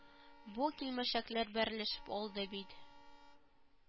Бу килмешәкләр берләшеп алды бит